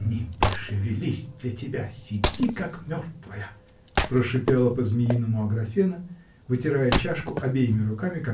– Не пошевелись для тебя, сиди, как мертвая! – прошипела по-змеиному Аграфена вытирая чашку обеими руками